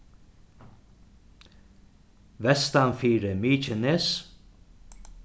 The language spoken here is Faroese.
vestan fyri mykines